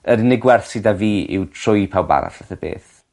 yr unig werth sy 'da fi yw trwy pawb arall fath o peth.